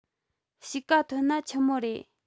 དཔྱིད ཀ ཐོན ན ཆི མོ རེད